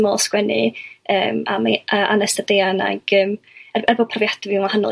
dwi me'l 'sgwennu yym am Anest a Deian ag yym er bo' profiada' fi'n wahanol